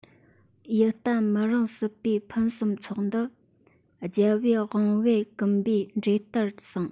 ཡིད བརྟན མི རུང སྲིད པའི ཕུན སུམ ཚོགས འདི རྒྱལ བའི དབང པོས ཀིམ པའི འབྲས འདྲར གསུངས